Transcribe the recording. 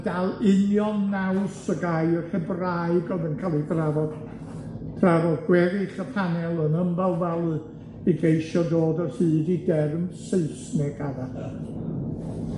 dal union naws y gair Hebraeg o'dd yn ca'l 'i drafod, tra fod gweddill y panel yn ymbalfalu i geisio dod o hyd i derm Saesneg arall.